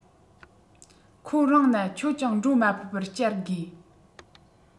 ཁོ རང ན ཁྱོད ཀྱང འགྲོ མ ཕོད པར བསྐྱལ དགོས